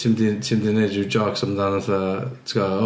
Ti'm 'di ti'm 'di wneud rhyw jôcs amdan fatha ti'n gwbod...